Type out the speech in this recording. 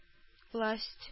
Власть